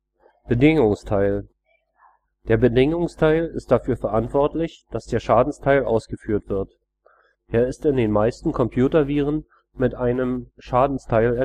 Bedingungsteil: Der Bedingungsteil ist dafür verantwortlich, dass der Schadensteil ausgeführt wird. Er ist in den meisten Computerviren mit einem Schadensteil